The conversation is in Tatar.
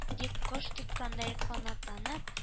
-дип, кош тоткандай канатланып